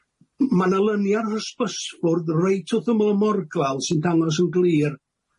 M- ma' 'na lynia ar yr hysbysfwrdd reit wrth ymyl y morglawdd sy'n dangos yn glir